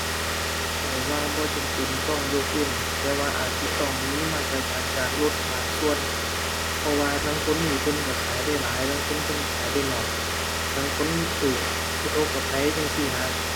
ข้อยว่าบ่จำเป็นต้องยกเว้น แต่ว่าอาจสิต้องมีมาตรการการลดบางส่วน เพราะว่าลางคนนี่เพิ่นก็ขายได้หลาย ลางคนเพิ่นก็ขายได้น้อย ลางคนก็อุทกภัยจั่งซี้นะ